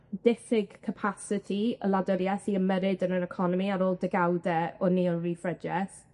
diffyg capasiti y wladwrieth i ymyrryd yn yr economi ar ôl degawdau o neo-ryddfrydieth,